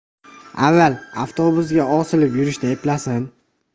avval avtobusga osilib yurishni eplasin